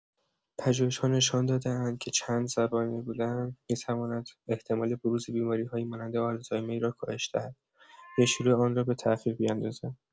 پژوهش‌‌ها نشان داده‌اند که چندزبانه بودن می‌تواند احتمال بروز بیماری‌هایی مانند آلزایمر را کاهش دهد یا شروع آن را به تأخیر بیندازد.